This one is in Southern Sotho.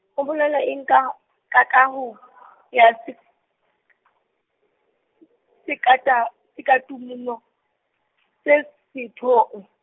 ho bolelwa eng ka, ka kaho , ya se- , sekata-, sekatumano-, Sesothong?